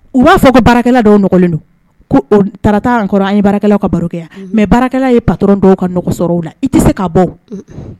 U b'a fɔ ka baara dɔwlen don taarata an kɔrɔ an bara ka baro mɛ baara ye par dɔw ka sɔrɔ la i tɛ se k ka baw